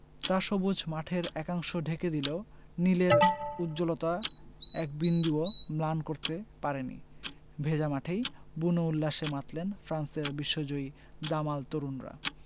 তা সবুজ মাঠের একাংশ ঢেকে দিলেও নীলের উজ্জ্বলতা এক বিন্দুও ম্লান করতে পারেনি ভেজা মাঠেই বুনো উল্লাসে মাতলেন ফ্রান্সের বিশ্বজয়ী দামাল তরুণরা